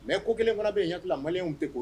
Mɛ ko kelen fana bɛ yen yakila maliw tɛ